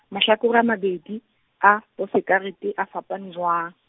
mahlakore a mabedi, a, posekarete, a fapane jwang?